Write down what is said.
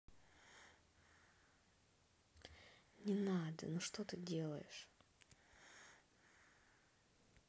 не надо ну что ты делаешь